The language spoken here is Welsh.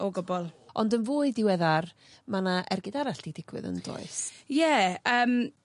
o gwbwl. Ond yn fwy diweddar ma' 'na ergyd arall 'di digwydd yndoes? Ie yym